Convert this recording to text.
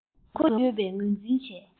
དགོས མཁོ ཡོད པ ངོས འཛིན བྱས